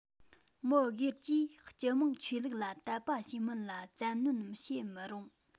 མི སྒེར གྱིས སྤྱི དམངས ཆོས ལུགས ལ དད པ བྱེད མིན ལ བཙན གནོན བྱེད མི རུང